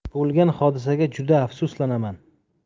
bo'lgan hodisaga juda afsuslanaman